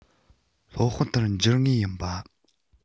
སློབ དཔོན ཏུ གྱུར ངེས ཡིན པ